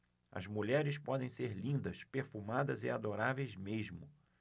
as mulheres podem ser lindas perfumadas e adoráveis mesmo